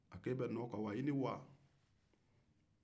a ko e bɛ nɔ kan wa